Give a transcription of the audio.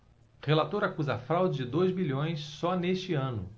relator acusa fraude de dois bilhões só neste ano